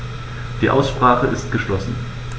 Die Aussprache ist geschlossen.